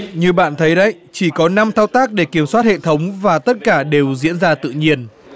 như bạn thấy đấy chỉ có năm thao tác để kiểm soát hệ thống và tất cả đều diễn ra tự nhiên